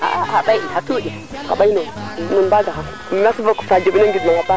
nuu ne jega aussi probleme comme insecte ke manam na ñaƴa a lang